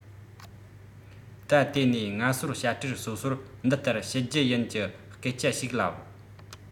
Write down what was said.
ད དེས ན སྔ སོར བྱ སྤྲེལ སོ སོར འདི ལྟར བྱེད རྒྱུ ཡིན གྱི སྐད ཆ ཞིག ལབ